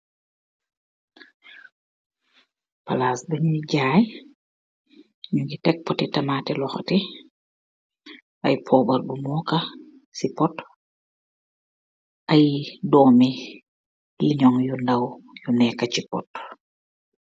Palaas bu ñuy jaay, ñu ngi teg poti tamaate loxati, ay poobar bu mooka si pot, ay doomi liñoŋ yu ndaw yu nekka si pot.